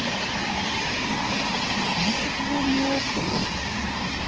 значит я мертв